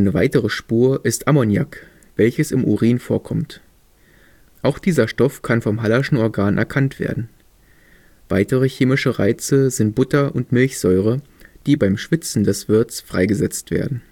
weitere Spur ist Ammoniak, welches im Urin vorkommt. Auch dieser Stoff kann vom Hallerschen Organ erkannt werden. Weitere chemischen Reize sind Butter - und Milchsäure, die beim Schwitzen des Wirts freigesetzt werden